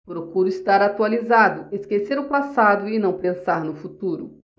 procuro estar atualizado esquecer o passado e não pensar no futuro